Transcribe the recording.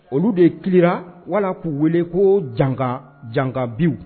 Olu de kira wala k'u wele ko janga janga binwu